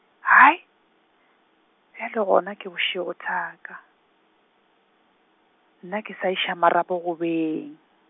Haai, bjale gona ke bošego thaka, nna ke sa iša marapo go beng.